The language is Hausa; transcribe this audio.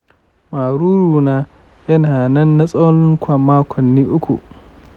maruruna ya na nan na tsawon makonni uku.